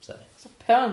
Iawn?